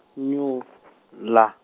nyanyula.